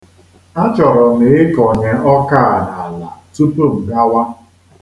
A chọrọ m ịkọnye ọka a n'ala tupu m gawa.